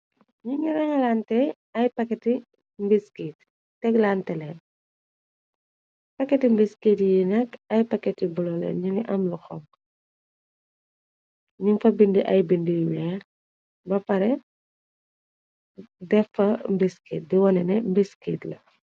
Nu ngi rangalante ay paketi mbiskit teglantele, paketi mbiskit yi nekk ay paketi bulo len ñungi am lu xokk, ñu fa bindi ay bind y weex , ba pare defa mbiskit di wone ne mbiskit la.